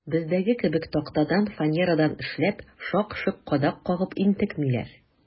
Бездәге кебек тактадан, фанерадан эшләп, шак-шок кадак кагып интекмиләр.